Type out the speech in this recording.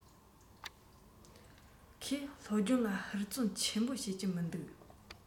ཁོས སློབ སྦྱོང ལ ཧུར བརྩོན ཆེན པོ བྱེད ཀྱི མི འདུག